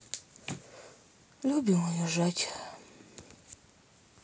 любим уезжать